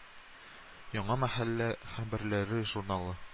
Яңа мәхәллә хәбәрләре журналы